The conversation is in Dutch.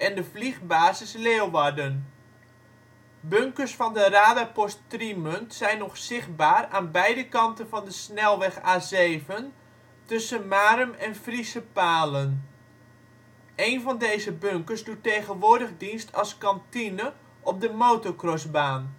de vliegbasis Leeuwarden. Bunkers van de radarpost Trimunt zijn nog zichtbaar aan beide kanten van de snelweg A7 tussen Marum en Frieschepalen. Een van deze bunkers doet tegenwoordig dienst als kantine op de motorcrossbaan